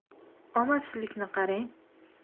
omadsizlikni qarang